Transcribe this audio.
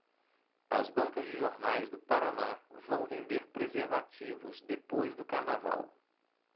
as bancas de jornais do paraná vão vender preservativos depois do carnaval